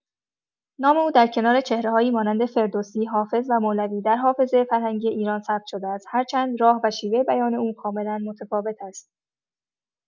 نام او در کنار چهره‌هایی مانند فردوسی، حافظ و مولوی در حافظه فرهنگی ایران ثبت شده است، هرچند راه و شیوه بیان او کاملا متفاوت است.